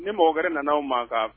Ni mɔgɔ wɛrɛ nana mankan kan